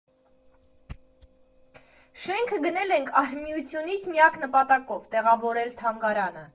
Շենքը գնել ենք արհմիությունից միակ նպատակով՝ տեղավորել թանգարանը։